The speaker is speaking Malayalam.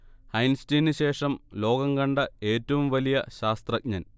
ഐൻസ്റ്റീന് ശേഷം ലോകം കണ്ട ഏറ്റവും വലിയ ശാസ്ത്രജ്ഞൻ